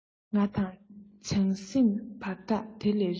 ང དང བྱང སེམས བར ཐག དེ ལས རིང